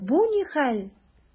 Бу ни хәл!